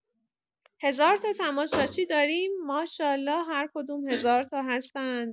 هزارتا تماشاچی داریم ماشاالله هرکدوم هزارتا هستند.